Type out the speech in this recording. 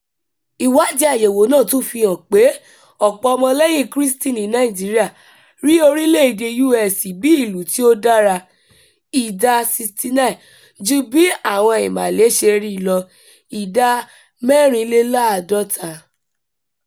Ìwádìí àyẹ̀wò náà tún fi hàn pé ọ̀pọ̀ ọmọ lẹ́yìn Krístì ní Nàìjíríà "rí orílẹ̀-èdèe US bí ìlú tí ó dára (ìdá 69) ju bí àwọn Ìmàlé ṣe rí i lọ (ìdá 54)".